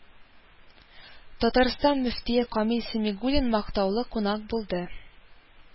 Татарстан мөфтие Камил Сәмигуллин мактаулы кунак булды